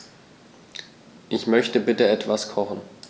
Ich möchte bitte etwas kochen.